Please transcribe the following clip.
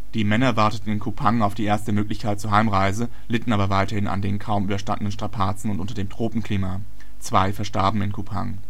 Die Männer warteten in Kupang auf die erste Möglichkeit zur Heimreise, litten aber weiterhin an den kaum überstandenen Strapazen und unter dem Tropenklima. Zwei verstarben in Kupang